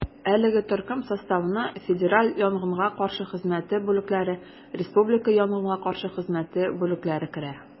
Әлеге төркем составына федераль янгынга каршы хезмәте бүлекләре, республика янгынга каршы хезмәте бүлекләре керә.